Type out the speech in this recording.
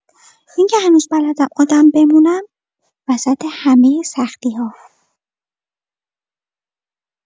اینکه هنوز بلدم آدم بمونم، وسط همه سختی‌ها.